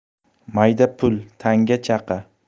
mayda pul tanga chaqa